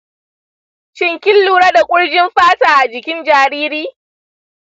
shin kin lura da ƙurjin fata a jikin jariri?